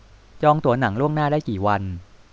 จองตั๋วหนังล่วงหน้าได้กี่วัน